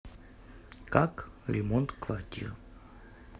как ремонт квартира